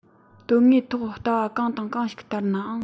དོན དངོས ཐོག ལྟ བ གང དང གང ཞིག ལྟར ནའང